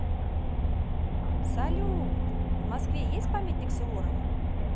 салют в москве есть памятник суворову